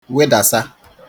wedàsa